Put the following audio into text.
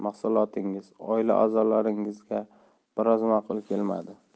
mahsulotingiz oila a'zolaringizga biroz ma'qul kelmadi